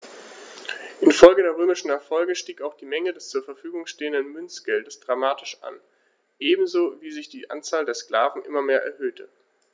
Infolge der römischen Erfolge stieg auch die Menge des zur Verfügung stehenden Münzgeldes dramatisch an, ebenso wie sich die Anzahl der Sklaven immer mehr erhöhte.